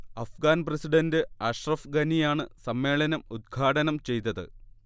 Afghan president Ashraf ഗനിയാണ് സമ്മേളനം ഉദ്ഘാടനം ചെയ്തത്